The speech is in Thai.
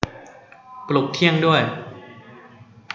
ปลุกเที่ยงด้วย